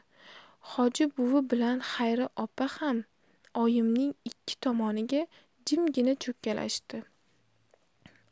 hoji buvi bilan xayri opa ham oyimning ikki tomoniga jimgina cho'kkalashdi